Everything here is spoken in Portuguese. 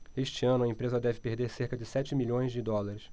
este ano a empresa deve perder cerca de sete milhões de dólares